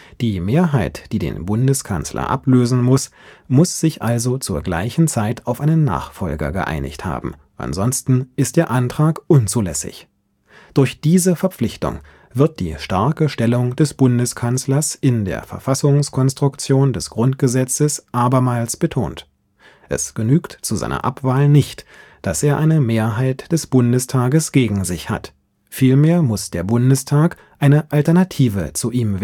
Die Mehrheit, die den Bundeskanzler ablösen muss, muss sich also zur gleichen Zeit auf einen Nachfolger geeinigt haben, ansonsten ist der Antrag unzulässig. Durch diese Verpflichtung wird die starke Stellung des Bundeskanzlers in der Verfassungskonstruktion des Grundgesetzes abermals betont: Es genügt zu seiner Abwahl nicht, dass er eine Mehrheit des Bundestages gegen sich hat; vielmehr muss der Bundestag eine Alternative zu ihm